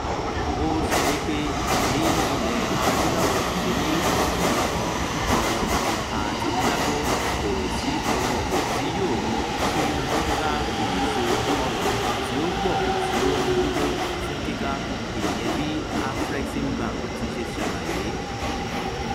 Ó sọ wípé bí Ilẹ̀-Adúláwọ̀ ti ṣe ní ọ̀pọ̀lọpọ̀ ọlọ́gbọ́n àtinudá tó, kò sí ohun èlò tí yóò mú kí wọn ó ká èso ọrọ̀ tí ó pọ̀ tí ó ń dúró fún kíká, ìyẹn bí Afreximbank ti ṣe ṣàlàyé.